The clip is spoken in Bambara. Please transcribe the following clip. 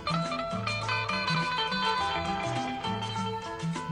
Maa